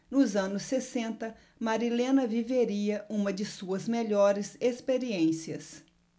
nos anos sessenta marilena viveria uma de suas melhores experiências